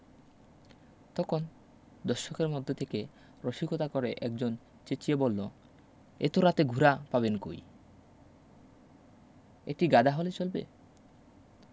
তকন দর্শকদের মধ্য থেকে রসিকতা করে একজন চেঁচিয়ে বললো এত রাতে ঘুড়া পাবেন কই একটি গাধা হলে চলবে